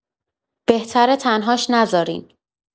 بهتره تن‌هاش نذارین.